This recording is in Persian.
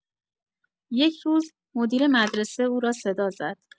یک روز، مدیر مدرسه او را صدا زد.